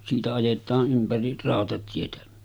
siitä ajetaan ympäri rautatietä